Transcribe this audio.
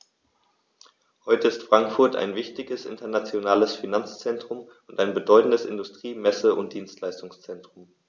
Heute ist Frankfurt ein wichtiges, internationales Finanzzentrum und ein bedeutendes Industrie-, Messe- und Dienstleistungszentrum.